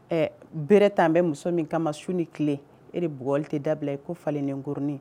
Ɛɛ bere ta an bɛ muso min kama su ni tile e de bɔgɔɔli tɛ dabila ko falen nirin